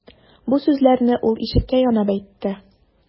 Бу сүзләрне ул ишеккә янап әйтте.